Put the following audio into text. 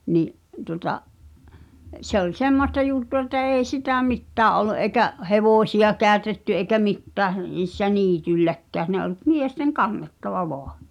niin tuota se oli semmoista juttua että ei sitä mitään ollut eikä hevosia käytetty eikä mitään niissä niitylläkään ne oli miesten kannettava vain